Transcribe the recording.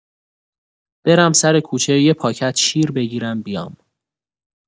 برم سر کوچه یه پاکت شیر بگیرم بیام.